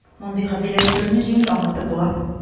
Мондый "гадиләштерү"не җиңел аңлатып була: